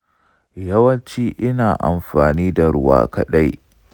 yawanci ina amfani da ruwa kaɗai.